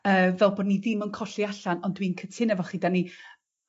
Yy fel bo' ni ddim yn colli allan ond dwi'n cytuno efo chi 'dan ni